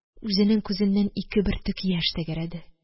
Үзенең күзеннән ике бөртек яшь тәгәрәде